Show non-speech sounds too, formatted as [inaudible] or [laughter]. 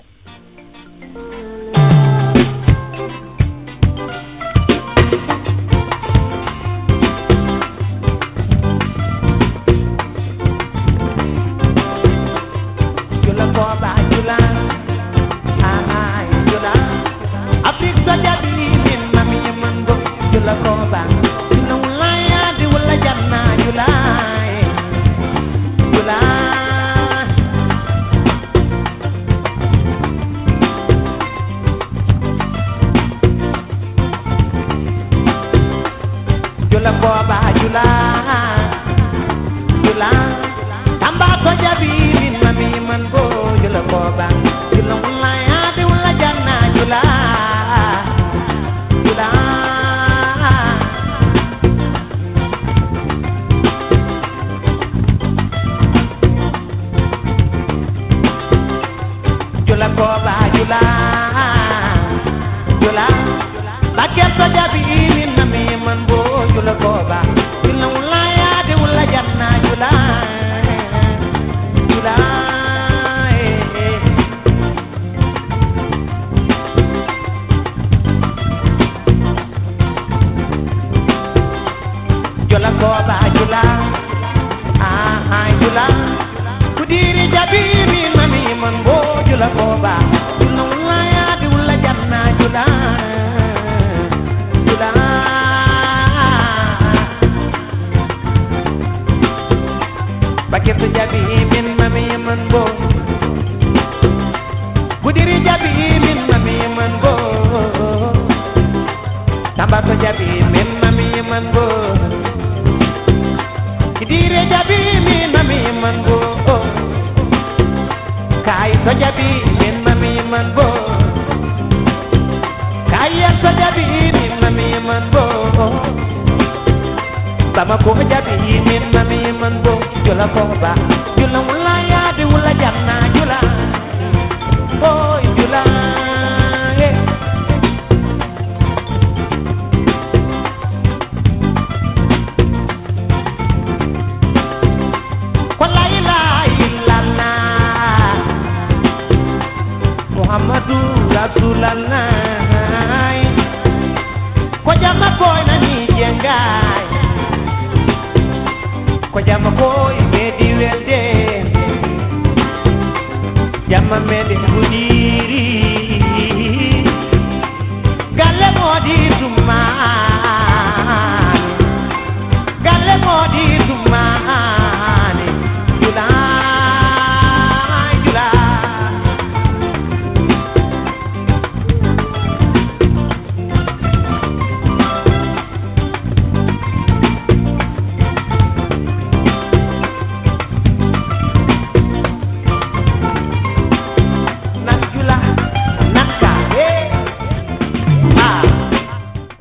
[music]